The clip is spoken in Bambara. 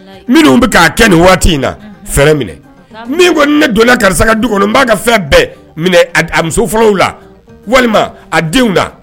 Minnu bɛ'a kɛ nin waati in na fɛrɛ minɛ min ko ne donna karisa ka du kɔnɔ b'a ka fɛn bɛɛ muso fɔlɔ la walima a denw da